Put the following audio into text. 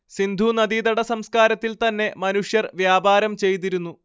സിന്ധു നദീതടസംസ്കാരത്തിൽ തന്നെ മനുഷ്യർ വ്യാപാരം ചെയ്തിരുന്നു